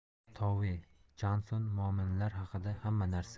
tove jansson moominlar haqida hamma narsa